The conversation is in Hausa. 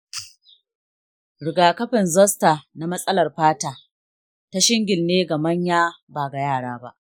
rigakafin zoster na matsalar fata ta shingle ne ga manya, ba ga yara ba.